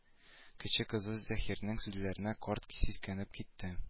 Кече кызы заһирәнең сүзләреннән карт сискәнеп китте